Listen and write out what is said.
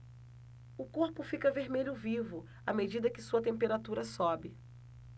o corpo fica vermelho vivo à medida que sua temperatura sobe